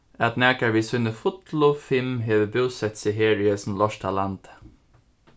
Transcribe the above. at nakar við síni fullu fimm hevur búsett seg her í hesum lorta landi